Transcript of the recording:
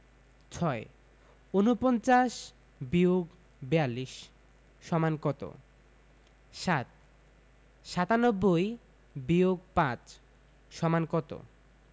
৬ ৪৯-৪২ = কত ৭ ৯৭-৫ = কত